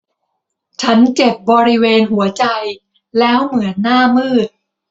ฉันเจ็บบริเวณหัวใจแล้วเหมือนหน้ามืด